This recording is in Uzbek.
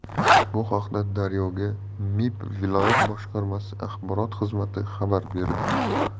bu haqda daryo ga mib viloyat boshqarmasi axborot xizmati xabar berdi